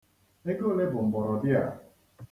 Ego ole bụ mgbọrọdị a?